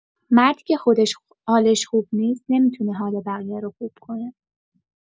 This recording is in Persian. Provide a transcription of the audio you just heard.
مردی که خودش حالش خوب نیست، نمی‌تونه حال بقیه رو خوب کنه.